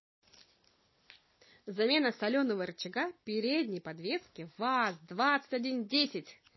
замена соленого рычага передней подвески ваз двадцать один десять